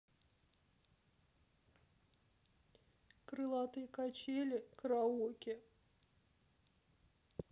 крылатые качели караоке